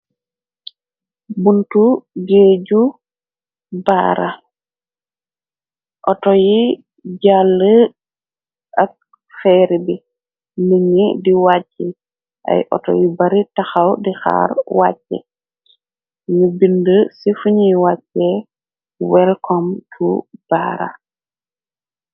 Buntu géeju baara auto yi jàll ak feer bi nini di wàcce ay auto yi bari taxaw di xaar wàcce nu bind ci fuñuy wàcce welkom tu baara.